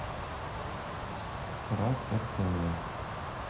трактор тв